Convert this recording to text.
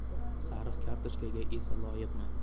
sariq kartochkaga esa loyiqman